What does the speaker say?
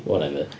Whatever.